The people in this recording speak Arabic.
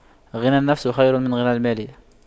غنى النفس خير من غنى المال